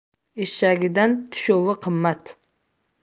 eshagidan tushovi qimmat